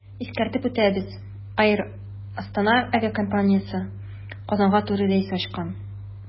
Искәртеп үтәбез, “Эйр Астана” авиакомпаниясе Казанга туры рейс ачкан.